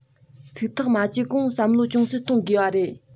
ཚིག ཐག མ བཅད གོང བསམ བློ ཅུང ཙམ གཏོང དགོས པ རེད